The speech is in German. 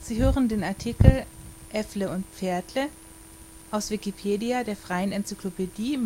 hören den Artikel Äffle und Pferdle, aus Wikipedia, der freien Enzyklopädie